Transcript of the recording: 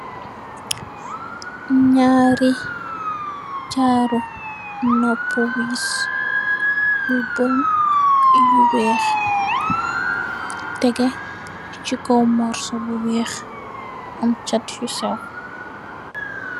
Ñarri jaaro nopp wiiss yu bon iy yu weeh tégé ci kaw morsu bu weeh, am jatt yu sew.